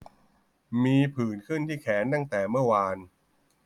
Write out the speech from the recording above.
มีผื่นขึ้นที่แขนตั้งแต่เมื่อวาน